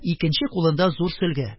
Икенче кулында зур сөлге